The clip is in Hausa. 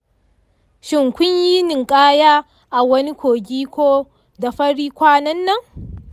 shin kun yi ninkaya a wani kogi ko dafari kwanan nan?